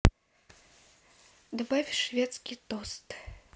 добавь шведский тост